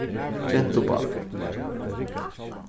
gentubarn